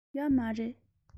ཡོད མ རེད